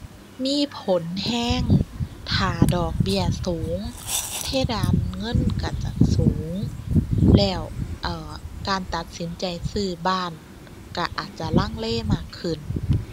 มีผลแรง ถ้าดอกเบี้ยสูง เพดานเงินแรงจะสูง แล้ว เอ่อ การตัดสินใจซื้อบ้านแรงอาจจะลังเลมากขึ้น